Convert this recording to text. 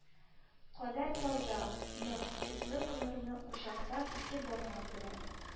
Кадәр таза, нык, утлы күмерне учактан ике бармак белән